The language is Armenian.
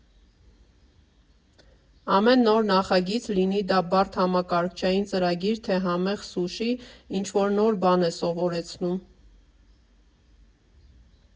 Ամեն նոր նախագիծ, լինի դա բարդ համակարգչային ծրագիր թե համեղ սուշի, ինչ֊որ նոր բան է սովորեցնում։